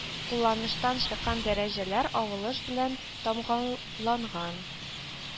Кулланыштан чыккан дәрәҗәләр авылыш белән тамга ланган